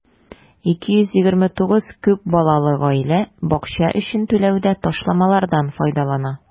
229 күп балалы гаилә бакча өчен түләүдә ташламалардан файдалана.